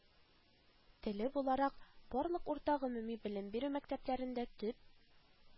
Теле буларак, барлык урта гомуми белем бирү мəктəплəрендə төп